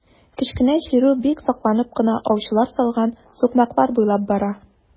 Кечкенә чирү бик сакланып кына аучылар салган сукмаклар буйлап бара.